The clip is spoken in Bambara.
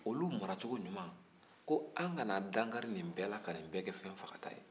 olu maracogo ɲuman ko an kana dankari nin bɛɛ la ka nin bɛɛ kɛ fɛn fagata ye